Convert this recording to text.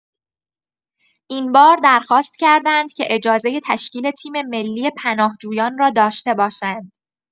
این بار درخواست کردند که اجازه تشکیل تیم‌ملی پناهجویان را داشته باشند.